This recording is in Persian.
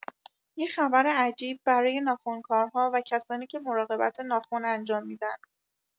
یه خبر عجیب برای ناخن‌کارها و کسانی که مراقبت ناخن انجام می‌دن!